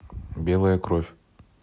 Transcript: белая кровь